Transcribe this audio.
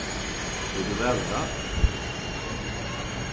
hevur tú valrætt